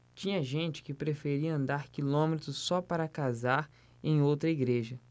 tinha gente que preferia andar quilômetros só para casar em outra igreja